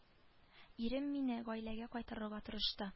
Ирем мине гаиләгә кайтарырга тырышты